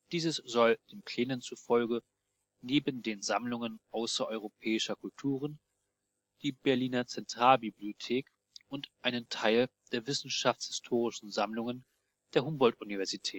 Dieses soll den Plänen zufolge neben den Sammlungen außereuropäischer Kulturen die Berliner Zentralbibliothek und einen Teil der wissenschaftshistorischen Sammlungen der Humboldt-Universität